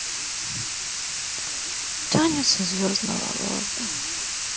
танец звездного лорда